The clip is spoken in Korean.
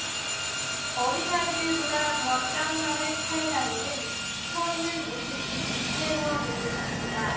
어린아이들보다 더 깡마른 팔다리는 서 있는 모습이 위태로워 보일 정도다